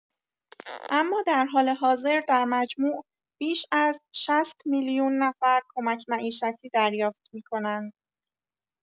اما در حال حاضر در مجموع بیش از ۶۰ میلیون نفر کمک معیشتی دریافت می‌کنند.